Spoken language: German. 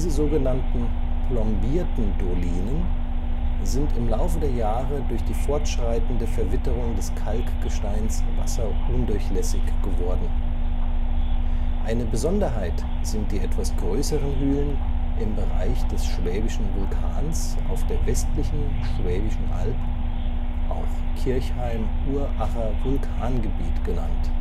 sogenannten „ plombierten Dolinen “sind im Laufe der Jahre durch die fortschreitende Verwitterung des Kalkgesteins wasserundurchlässig geworden. Eine Besonderheit sind die etwas größeren Hülen im Bereich des Schwäbischen Vulkans auf der westlichen Schwäbischen Alb (auch Kirchheim-Uracher Vulkangebiet genannt